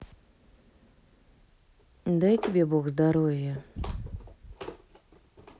дай тебе бог здоровья